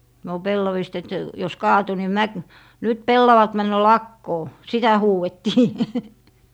no pellavista että jos kaatui niin - nyt pellavat menee lakoon sitä huudettiin